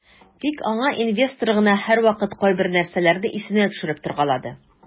Тик аңа инвестор гына һәрвакыт кайбер нәрсәләрне исенә төшереп торгалады.